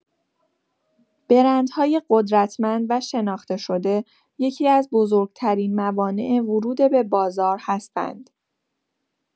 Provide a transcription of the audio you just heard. برندهای قدرتمند و شناخته‌شده، یکی‌از بزرگ‌ترین موانع ورود به بازار هستند.